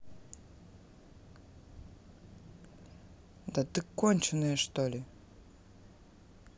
да ты конченная что ли